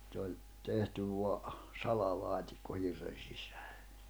se oli tehty vain salalaatikko hirren sisään